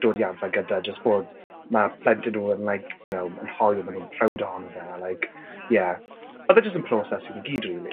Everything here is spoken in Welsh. dod i arfer gyda jyst bod ma' plentyn nw yn like you know yn hoyw ma' nw'n prowd ohono fe a like, ie, odd e jyst yn proses i ni gyd rili.